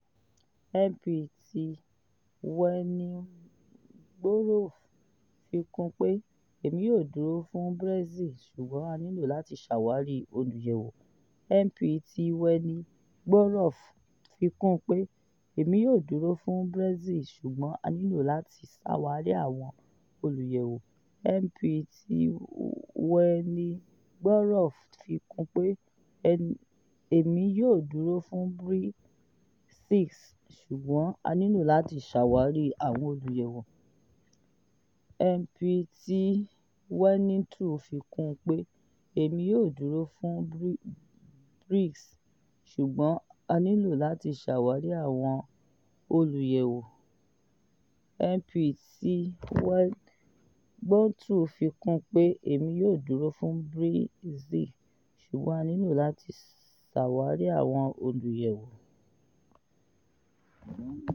MP ti Welingborough fi kun pé: 'Èmi yóò dúró fún Brexit ṣùgbọ́n a nílò láti ṣàwárí àwọn Olùyẹ̀wò.'